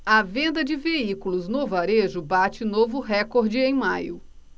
venda de veículos no varejo bate novo recorde em maio